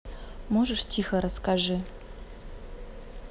можешь тихо расскажи